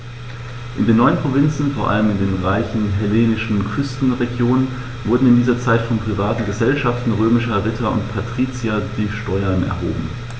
In den neuen Provinzen, vor allem in den reichen hellenistischen Küstenregionen, wurden in dieser Zeit von privaten „Gesellschaften“ römischer Ritter und Patrizier die Steuern erhoben.